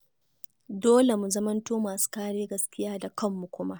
Dole mu zamanto masu kare gaskiya da kanmu kuma.